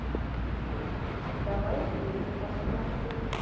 давай фильм посмотрим